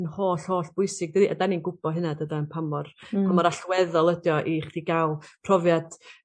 yn holl hollbwysig 'da ni 'dan ni'n gwbo hynna dydan pa mor... Hmm. ...pa mor allweddol ydi o i chdi ga'l profiad